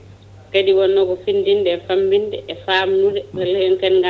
kadi wonno ko findinde e famminde e famnude woni hen ken